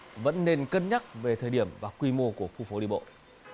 vẫn nên cân nhắc về thời điểm và quy mô của khu phố đi bộ